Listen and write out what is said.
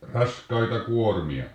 raskaita kuormia